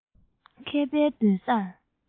མཁས པའི མདུན སར